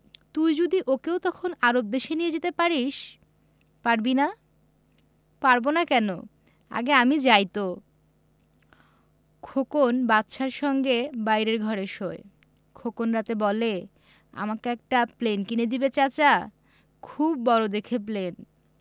তুই যদি ওকেও তখন আরব দেশে নিয়ে যেতে পারিস পারবি না পারব না কেন আগে আমি যাই তো খোকন বাদশার সঙ্গে বাইরের ঘরে শোয় খোকন রাতে বলে আমাকে একটা প্লেন কিনে দিবে চাচা খুব বড় দেখে প্লেন